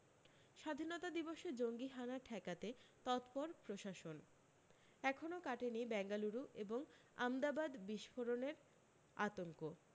স্বাধীনতা দিবসে জঙ্গিহানা ঠেকাতে তৎপর প্রশাসন এখনও কাটেনি বেঙ্গালুরু এবং আমদাবাদ বিস্ফোরণের আতঙ্ক